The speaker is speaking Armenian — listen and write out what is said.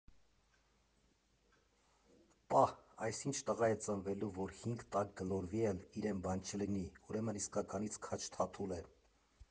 Պա՜հ, այս ինչ տղա է ծնվելու, որ հինգ տակ գլորվի էլ, իրեն բան չլինի, ուրեմն իսկականից քաջ Թաթուլ է։